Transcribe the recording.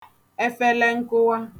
efele nkụwa